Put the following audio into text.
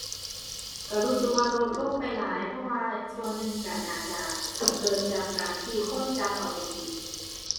ก็รู้สึกว่าลดลงไปหลาย เพราะว่าส่วนหนึ่งก็น่าจะเกิดจากการที่คนจับเอาไปกิน